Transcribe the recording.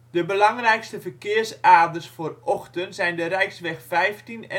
De belangrijkste verkeersaders voor Ochten zijn de Rijksweg 15 en de N233